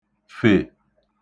-fè